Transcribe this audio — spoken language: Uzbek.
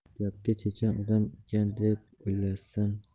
gapga chechan odam ekan deb o'ylaysan kishi